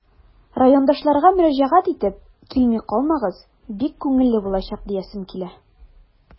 Райондашларга мөрәҗәгать итеп, килми калмагыз, бик күңелле булачак диясем килә.